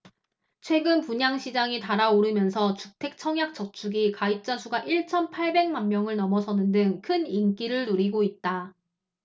최근 분양시장이 달아오르면서 주택청약저축이 가입자수가 일 천 팔백 만명을 넘어서는 등 큰 인기를 누리고 있다